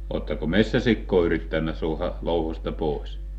oletteko metsäsikaa yrittänyt saada louhosta pois